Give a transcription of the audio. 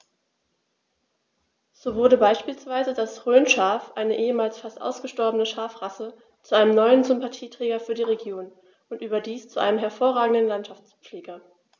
So wurde beispielsweise das Rhönschaf, eine ehemals fast ausgestorbene Schafrasse, zu einem neuen Sympathieträger für die Region – und überdies zu einem hervorragenden Landschaftspfleger.